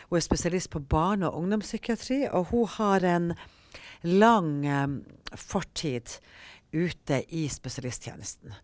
hun er spesialist på barne- og ungdomspsykiatri, og hun har en lang fortid ute i spesialisttjenesten.